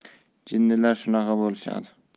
jinnilar shunaqa bo'lishadi